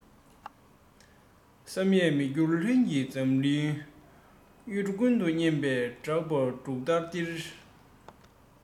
བསམ ཡས མི འགྱུར ལྷུན གྱིས འཛམ གླིང ཡུལ གྲུ ཀུན ཏུ སྙན པའི གྲགས པ འབྲུག ལྟར ལྡིར